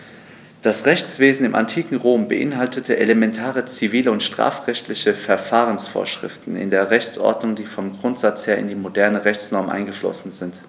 Das Rechtswesen im antiken Rom beinhaltete elementare zivil- und strafrechtliche Verfahrensvorschriften in der Rechtsordnung, die vom Grundsatz her in die modernen Rechtsnormen eingeflossen sind.